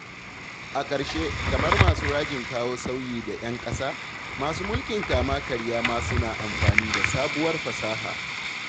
A ƙarshe, kamar masu rajin kawo sauyi da 'yan ƙasa, masu mulkin kama-karya ma suna amfani da sabuwar fasaha.